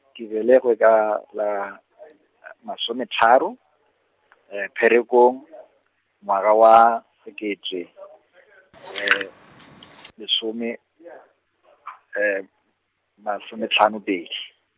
ke belegwe ka la, masometharo , Pherekgong, ngwaga wa sekete, lesome , masome tlhano pedi.